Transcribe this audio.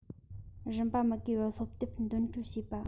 རིན པ མི དགོས པའི སློབ དེབ འདོན སྤྲོད བྱས པ